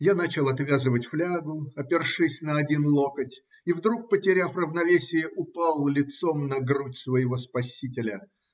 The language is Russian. Я начал отвязывать флягу, опершись на один локоть, и вдруг, потеряв равновесие, упал лицом на грудь своего спасителя.